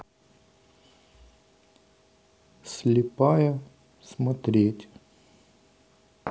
слепая смотреть